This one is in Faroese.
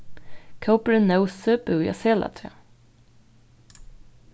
kópurin nósi búði á selatrað